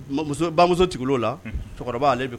Mɔmuso bamuso tugula o la, cɛkɔrɔba ale bɛ